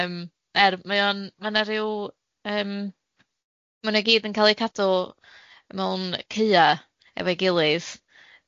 Yym er mae o'n ma' 'na ryw yym ma' n'w gyd yn cal 'u cadw mewn ceua efo'i gilydd